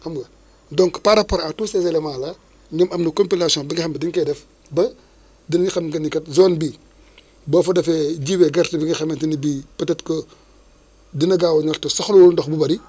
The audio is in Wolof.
xam nga donc par rapport à tous ces éléments là ñoom am na compilation bi nga xam ne di nga koy def ba dañuy xam que ni kat zone bii boo fa defee jiwee gerte bi nga xamante ne bi peut être que dina gaaw a ñor te soxlawul ndox bu bëri